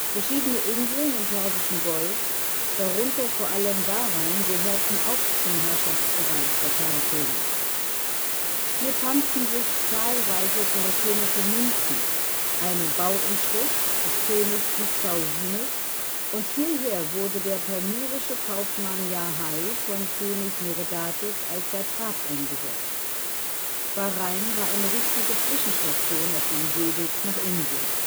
Verschiedene Inseln im Persischen Golf, darunter vor allem Bahrain gehörten auch zum Herrschaftsbereich der Charakene. Hier fanden sich zahlreiche charakenische Münzen, eine Bauinschrift des Königs Hyspaosines, und hierher wurde der palmyrische Kaufmann Yarhai von König Meredates als Satrap eingesetzt. Bahrain war eine wichtige Zwischenstation auf dem Seeweg nach Indien